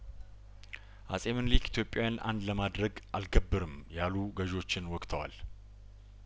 አጼምኒልክ ኢትዮጵያን አንድ ለማድረግ አልገብርም ያሉ ገዥዎችን ወግተዋል